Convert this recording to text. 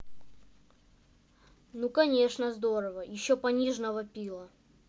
ну конечно здорово еще пониженого пила